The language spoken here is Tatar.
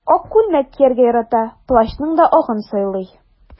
Ак күлмәк кияргә ярата, плащның да агын сайлый.